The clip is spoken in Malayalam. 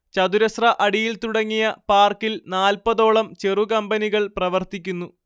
ചതുരശ്ര അടിയിൽ തുടങ്ങിയ പാർക്കിൽ നാല്പതോളം ചെറുകമ്പനികൾ പ്രവർത്തിക്കുന്നു